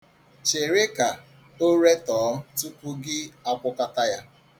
Chere ka o retọọ tupu gị agwọkọta ya.